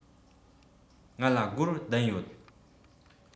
ང ལ སྒོར བདུན ཡོད